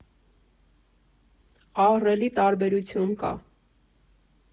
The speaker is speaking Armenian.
Ահռելի տարբերություն կա։